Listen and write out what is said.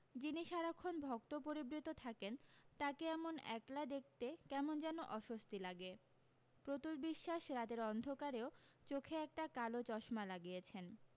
যিনি সারাক্ষণ ভক্ত পরিবৃত থাকেন তাকে এমন একলা দেখতে কেমন যেন অস্বস্তি লাগে প্রতুল বিশ্বাস রাতের অন্ধকারেও চোখে একটা কালো চশমা লাগিয়েছেন